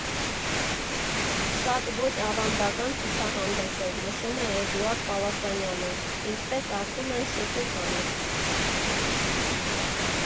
«Շատ ոչ ավանդական ցուցահանդես էր, ֊ նշում է Էդուարդ Պալասանյանը, ֊ ինչպես ասում են՝ շուխուր հանեց»։